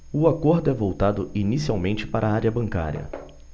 o acordo é voltado inicialmente para a área bancária